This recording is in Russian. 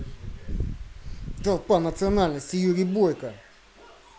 толпа национальности юрий бойко